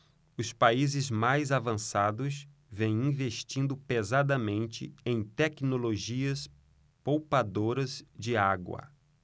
os países mais avançados vêm investindo pesadamente em tecnologias poupadoras de água